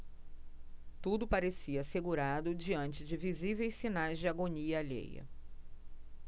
tudo parecia assegurado diante de visíveis sinais de agonia alheia